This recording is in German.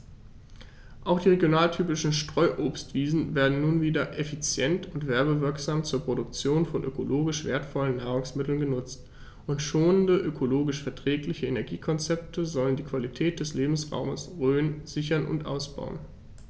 Auch die regionaltypischen Streuobstwiesen werden nun wieder effizient und werbewirksam zur Produktion von ökologisch wertvollen Nahrungsmitteln genutzt, und schonende, ökologisch verträgliche Energiekonzepte sollen die Qualität des Lebensraumes Rhön sichern und ausbauen.